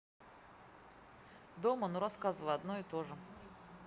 дома ну рассказывай одно и то же